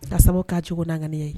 Ka sababu'a cogo naanigani ye